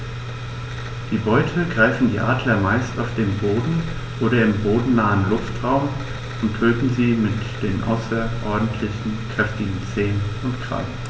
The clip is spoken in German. Die Beute greifen die Adler meist auf dem Boden oder im bodennahen Luftraum und töten sie mit den außerordentlich kräftigen Zehen und Krallen.